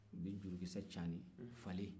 u bɛ jurukisɛ caani falen